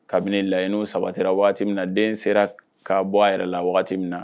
Kabini laɲiniini saba ten min na den sera ka bɔ a yɛrɛ la min na